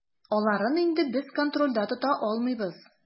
Аларын инде без контрольдә тота алмыйбыз.